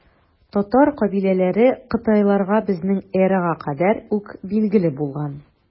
Татар кабиләләре кытайларга безнең эрага кадәр үк билгеле булган.